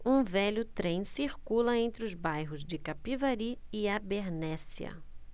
um velho trem circula entre os bairros de capivari e abernéssia